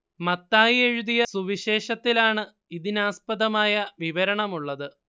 മത്തായി എഴുതിയ സുവിശേഷത്തിലാണ് ഇതിനാസ്പദമായ വിവരണമുള്ളത്